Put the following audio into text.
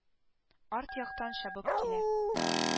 Арт яктан чабып килә: